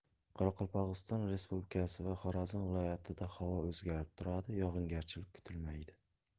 qoraqalpog'iston respublikasi va xorazm viloyatida havo o'zgarib turadi yog'ingarchilik kutilmaydi